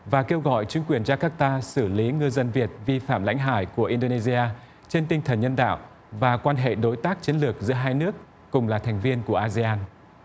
và kêu gọi chính quyền gia các ta xử lý ngư dân việt vi phạm lãnh hải của in đô nê di a trên tinh thần nhân đạo và quan hệ đối tác chiến lược giữa hai nước cũng là thành viên của a di an